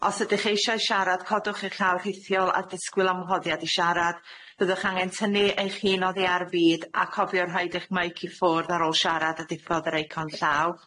Os ydych eishau sharad codwch eich llaw rhithiol a disgwl am wahoddiad i sharad, fyddwch angen tynnu eich hun oddi ar y fud a cofio rhaid eich maic i ffwrdd ar ôl sharad a diffodd yr eicon llaw.